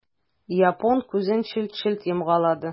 Япон күзләрен челт-челт йомгалады.